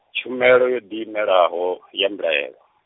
Tshumelo yo ḓiimelaho, ya Mbilahelo.